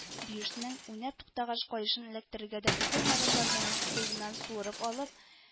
Биюшнең уйнап туктагач каешын эләктерергә дә өлгермәгән гармунын кулыннан суырып алып